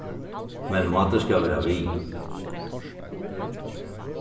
men máti skal vera við